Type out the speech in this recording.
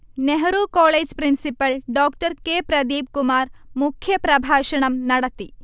Nehru college principal ഡോ K Pradeepkumar മുഖ്യപ്രഭാഷണം നടത്തി